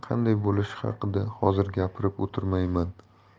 qanday bo'lishi haqida hozir gapirib o'tirmayman